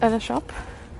Yn y siop.